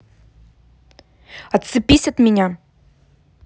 отцепись от меня